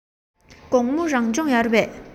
དགོང མོ རང སྦྱོང ཡོད རེད པས